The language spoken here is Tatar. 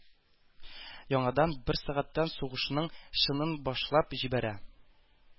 Яңадан бер сәгатьтән сугышның чынын башлап җибәрә.